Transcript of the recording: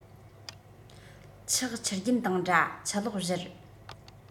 ཆགས ཆུ རྒྱུན དང འདྲ ཆུ ལོག བཞུར